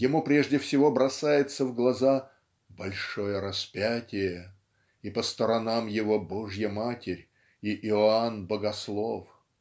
Ему прежде всего бросается в глаза "большое распятие и по сторонам его Божья Матерь и Иоанн Богослов".